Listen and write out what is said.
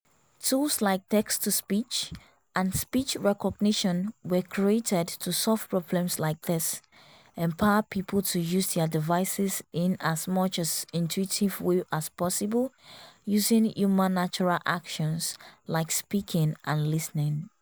Tools like text-to-speech and speech recognition were created to solve problems like this: empower people to use their devices in as much an intuitive way as possible, using human-natural actions like speaking and listening.